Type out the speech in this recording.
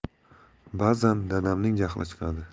bazan dadamning jahli chiqadi